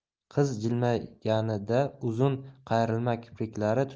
qiz jilmayganida uzun qayrilma kipriklari